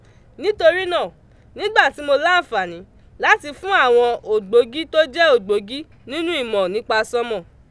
Nítorí náà, nígbà tí mo láǹfààní láti fún àwọn ògbógí tó jẹ́ ògbógí nínú ìmọ̀ nípa sọ́nmọ̀n.